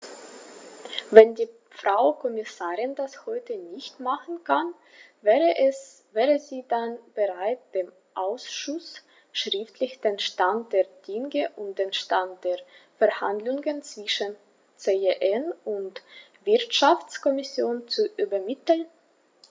Wenn die Frau Kommissarin das heute nicht machen kann, wäre sie dann bereit, dem Ausschuss schriftlich den Stand der Dinge und den Stand der Verhandlungen zwischen CEN und Wirtschaftskommission zu übermitteln?